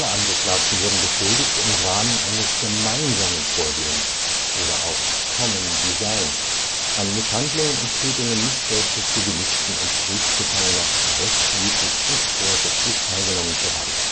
Angeklagten wurden beschuldigt, im Rahmen eines gemeinsamen Vorgehens (Common Design) an Misshandlungen und Tötungen nicht-deutscher Zivilisten und Kriegsgefangener rechtswidrig und vorsätzlich teilgenommen zu haben